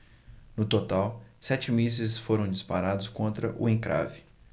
no total sete mísseis foram disparados contra o encrave